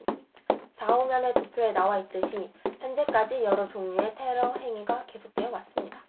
사 오 면의 도표에 나와 있듯이 현재까지 여러 종류의 테러 행위가 계속되어 왔습니다